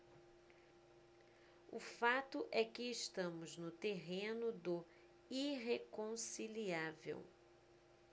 o fato é que estamos no terreno do irreconciliável